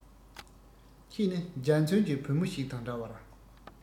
ཁྱེད ནི འཇའ ཚོན གྱི བུ མོ ཞིག དང འདྲ བར